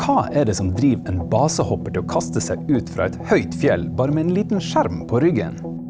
hva er det som driver en basehopper til å kaste seg ut fra et høyt fjell bare med en liten skjerm på ryggen?